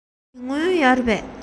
དེ སྔ ཡོད རེད པས